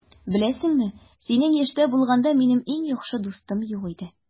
Беләсеңме, синең яшьтә булганда, минем иң яхшы дустым юк иде.